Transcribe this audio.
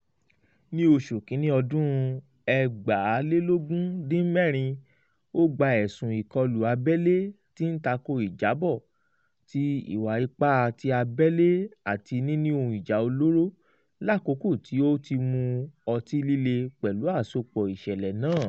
Ní Oṣù Kínní ọdún 2016 ó gba ẹ̀sùn ìkọlù abẹ́lé, tí ń tako ìjábọ̀ ti ìwà ipá ti abẹ́lé, àti níní ohun ìjà olóró lákòókò tí ó ti mú ọtí líle pẹlu asopọ iṣẹlẹ naa.